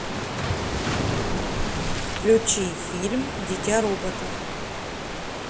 включи фильм дитя робота